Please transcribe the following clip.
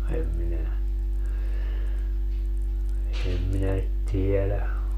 en minä en minä tiedä